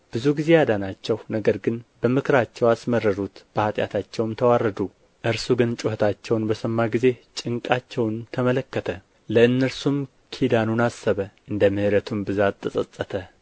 ብዙ ጊዜ አዳናቸው ነገር ግን በምክራቸው አስመረሩት በኃጢአታቸውም ተዋረዱ እርሱ ግን ጩኸታቸውን በሰማ ጊዜ ጭንቃቸውን ተመለከተ ለእነርሱም ኪዳኑን አሰበ እንደ ምሕረቱም ብዛት ተጸጸተ